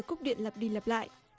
cúp điện lặp đi lặp lại